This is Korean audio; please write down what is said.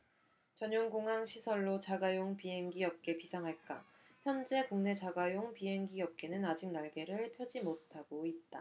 전용 공항 시설로 자가용 비행기 업계 비상할까현재 국내 자가용 비행기 업계는 아직 날개를 펴지 못하고 있다